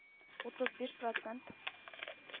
Утыз биш процент